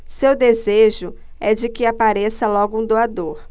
seu desejo é de que apareça logo um doador